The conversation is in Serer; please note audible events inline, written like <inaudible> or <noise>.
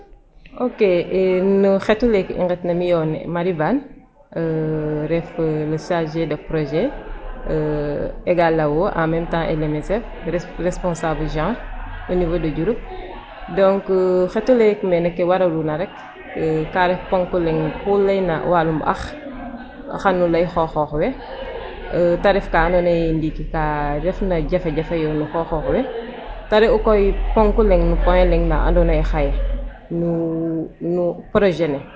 Ok no xeto leke i nqetna mi'o ne'e Marie Bane <hesitation> ref le chargé de progés <hesitation> EGALAO en meme temps ENEMISEF responsapble genre au nivau de Diouroup donc xet oleeke mene ke waraluna rek ka ref poŋk leŋ ku layn na walum ax xan o lay xooxopx we ta ref ka andoona yee ndiiki ka refna jafe jafe yo no xooxoox we te re'u koy poŋk leŋ no point leŋ na andoona yee xaye no projet ne .